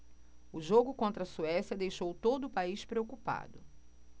o jogo contra a suécia deixou todo o país preocupado